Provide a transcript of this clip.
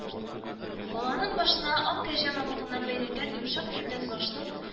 Баланың башына ак кәҗә мамыгыннан бәйләнгән йомшак, йөнтәс башлык